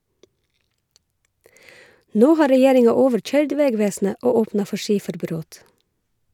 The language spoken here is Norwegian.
Nå har regjeringa overkøyrd vegvesenet og opna for skiferbrot.